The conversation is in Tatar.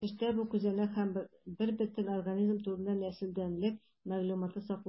Төштә бу күзәнәк һәм бербөтен организм турында нәселдәнлек мәгълүматы саклана.